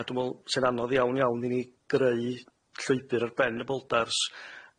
a dwi me'wl sy'n anodd iawn iawn i ni greu llwybr ar ben y bouldars.